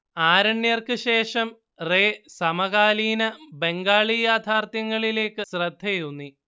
ആരണ്യർക്ക് ശേഷം റേ സമകാലീന ബംഗാളി യാഥാർത്ഥ്യങ്ങളിലേയ്ക്ക് ശ്രദ്ധയൂന്നി